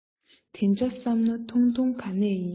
དེ འདྲ བསམས ན ཐུང ཐུང ག ནས ཡིན